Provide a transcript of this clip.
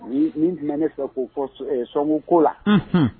Min tun ne fɛ k' sokun ko la